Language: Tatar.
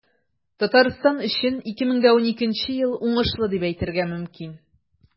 Татарстан өчен 2012 елны уңышлы ел дип әйтергә мөмкин.